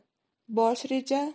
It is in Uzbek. bosh reja